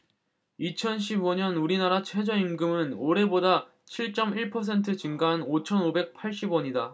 이천 십 오 년 우리나라 최저임금은 올해보다 칠 쩜 일 퍼센트 증가한 오천 오백 팔십 원이다